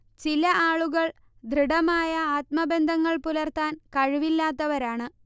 ചില ആളുകൾ ദൃഢമായ ആത്മബന്ധങ്ങൾ പുലർത്താൻ കഴിവില്ലാത്തവരാണ്